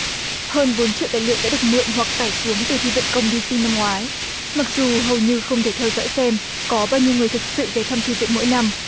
hơn bốn triệu tài liệu đã được mượn hoặc tải xuống từ thư viện công đi xi năm ngoái mặc dù hầu như không thể theo dõi xem có bao nhiêu người thực sự ghé thăm thư viện mỗi năm